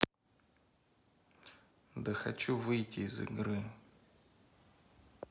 да хочу выйти из игры